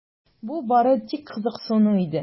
Бу бары тик кызыксыну иде.